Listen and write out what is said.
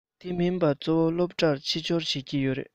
དེ མིན པ གཙོ བོ སློབ གྲྭར ཕྱི འབྱོར བྱེད ཀྱི ཡོད རེད